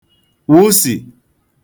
wụsì